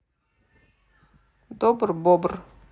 добр бобр